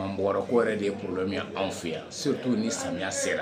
A m' bɔrɛ ko yɛrɛ de ye problème ye anw fɛ yan, surtout ni samiya sera